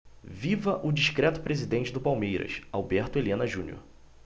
viva o discreto presidente do palmeiras alberto helena junior